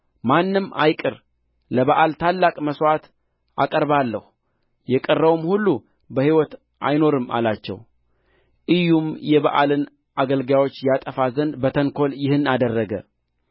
ማንም አይቅር ለባኣል ታላቅ መሥዋዕት አቀርባለሁ የቀረውም ሁሉ በሕይወት አይኖርም አላቸው ኢዩም የበኣልን አገልጋዮች ያጠፋ ዘንድ በተንኰል ይህን አደረገ